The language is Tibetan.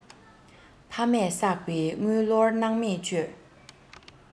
ཕ མས བསགས པའི དངུལ ལོར སྣང མེད སྤྱོད